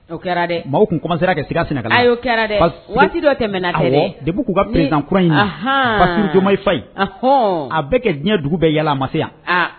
O kɛra dɛ maaw tun komansera ka siga Senegali la o kɛra dɛ waati dɔ tɛmɛna tɛ dɛ depi k'u ka peresidan kura in na Basiru Diyomayi Fayi a bɛ ka diɲɛ dugu bɛɛ yala a man se yan.